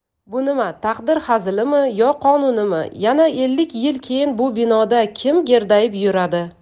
bu nima taqdir hazilimi yo qonunimi yana ellik yil keyin bu binoda kim gerdayib yuradi